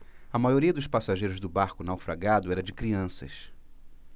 a maioria dos passageiros do barco naufragado era de crianças